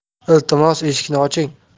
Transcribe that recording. iltimos eshikni oching